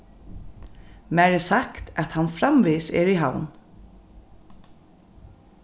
mær er sagt at hann framvegis er í havn